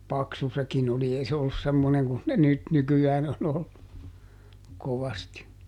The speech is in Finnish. paksu sekin oli ei se ollut semmoinen kuin ne nyt nykyään on ollut kovasti